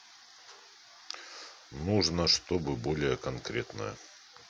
нужно чтобы более конкретное